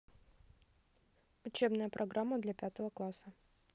учебная программа для пятого класса